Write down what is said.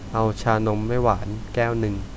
เอาชานมไม่หวานแก้วนึง